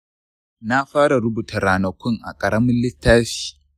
na fara rubuta ranakun a ƙaramin littafi.